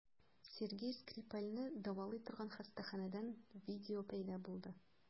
Сергей Скрипальне дәвалый торган хастаханәдән видео пәйда булды.